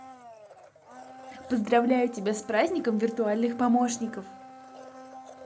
поздравляю тебя с праздником виртуальных помощников